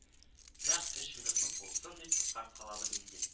Нәкъ өч минутлык булсын, дип кыскарткаладым инде